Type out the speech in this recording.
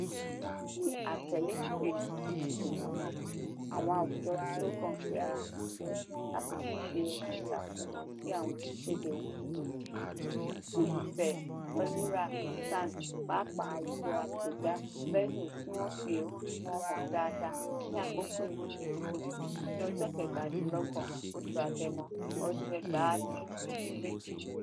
Ní àtẹ̀lé ìpinnu [Ìgbìmọ̀ náà], àwọn àwùjọ tí ó kàn pé ara wọn jọ láti tún ṣe ẹ̀rí ìtakò wọn sí àwọn Ìkéde Ohun Èlò (DUP) fún ìfẹ́ Toliara Sands, pàápàá àwùjọ apẹja Vezo, tí wọ́n fi ẹ̀hónú wọn hàn dáadáa ... ní àkókò ìwọ́de gbogboogbò ní ọjọ́ 27 oṣù Agẹmọ, ọdún 2018.